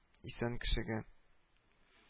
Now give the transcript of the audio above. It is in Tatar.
Исән кешегә